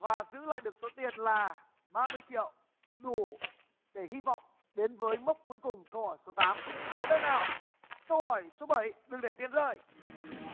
và giữ lại được số tiền là ba mươi triệu đủ để hy vọng đến với mốc cuối cùng câu hỏi số tám cố lên nào câu hỏi số bảy đừng để tiền rơi